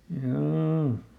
joo